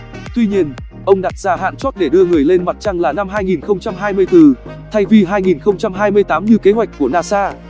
tuy nhiên ông đặt ra hạn chót để đưa người lên mặt trăng là năm thay vì như kế hoạch của nasa